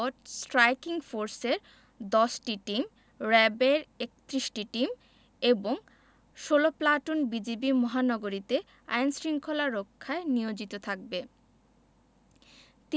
mobile ও striking ফোর্সের ১০টি টিম র ্যাবের ৩১টি টিম এবং ১৬ প্লাটুন বিজিবি মহানগরীতে আইন শৃঙ্খলা রক্ষায় নিয়োজিত থাকবে